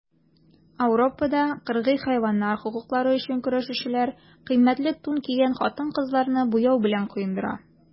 Ауропада кыргый хайваннар хокуклары өчен көрәшүчеләр кыйммәтле тун кигән хатын-кызларны буяу белән коендыра.